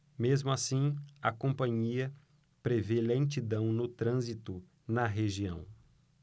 mesmo assim a companhia prevê lentidão no trânsito na região